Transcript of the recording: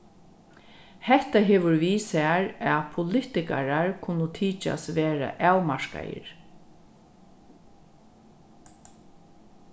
hetta hevur við sær at politikarar kunnu tykjast verða avmarkaðir